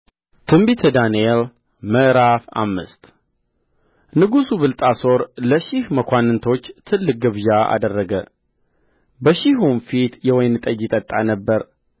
ትንቢተ ዳንኤል ምዕራፍ አምስት ንጉሡ ብልጣሶር ለሺህ መኳንንቶቹ ትልቅ ግብዣ አደረገ በሺሁም ፊት የወይን ጠጅ ይጠጣ ነበር